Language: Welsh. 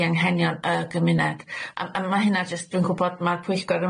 i anghenion y gymuned a a ma' hynna jyst dwi'n gwbod ma'r pwyllgor